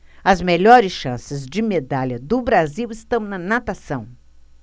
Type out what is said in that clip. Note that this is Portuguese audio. as melhores chances de medalha do brasil estão na natação